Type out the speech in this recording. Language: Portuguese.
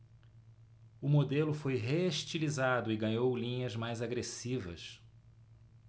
o modelo foi reestilizado e ganhou linhas mais agressivas